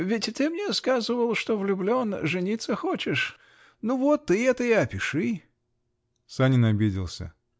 Ведь ты мне сказывал, что влюблен, жениться хочешь. Ну вот, ты это и опиши. Санин обиделся.